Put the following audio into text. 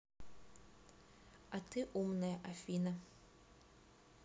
а ты умная афина